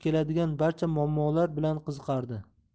keladigan barcha muammolar bilan qiziqardi